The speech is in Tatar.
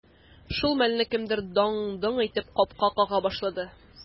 Шул мәлне кемдер даң-доң итеп капка кага башлады.